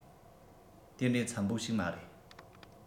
དེ འདྲའི འཚམས པོ ཞིག མ རེད